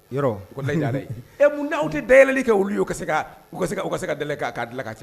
Yɔrɔ o ko Ala de ye Ala, E mun'aw tɛ dayɛlɛli kɛ olu ye, o ka se ka o ka se ka dayɛlɛ, k'a dilan ka